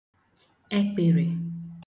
ẹkpị̀rị̀